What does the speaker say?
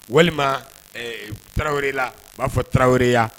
Walima tarawele wɛrɛ la u b'a fɔ tarawelereya